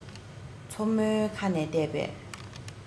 མཚོ མོའི ཁ ནས ལྟས པས